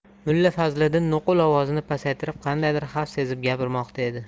mulla fazliddin nuqul ovozini pasaytirib qandaydir xavf sezib gapirmoqda edi